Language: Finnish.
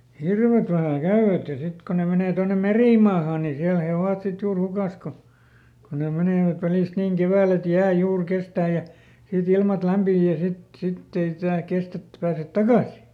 hirvet vähän käyvät ja sitten kun ne menee tuonne merimaahaan niin siellä he ovat sitten juuri hukassa kun kun ne menevät välistä niin keväällä että jää juuri kestää ja sitten ilmat lämpiää ja sitten sitten ei jää kestä että ei pääse takaisin